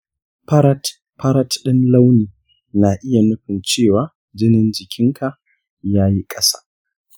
farat-farat ɗin launi na iya nufin cewa jinin jikinka ya yi ƙasa.